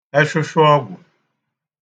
ẹshụshwa ọgwụ̀